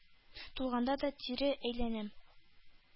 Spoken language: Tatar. Тулганда да тирә-әйләнәм.